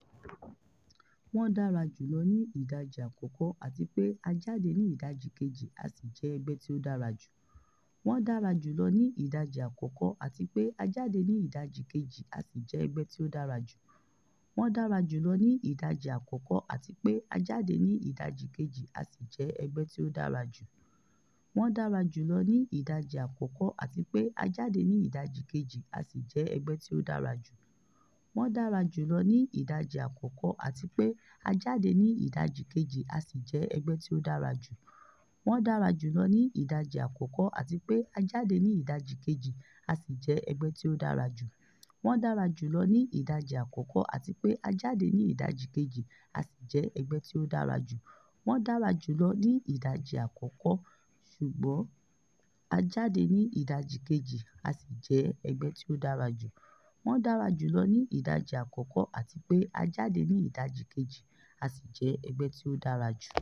Wọ́n dára jùlọ ní ìdajì àkọ́kọ́ àti pé a jáde ní ìdajì kejì asì jẹ́ ẹgbẹ́ tí ó dára jù.